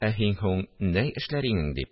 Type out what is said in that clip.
Ә һин һуң нәй эшләр инең – дип,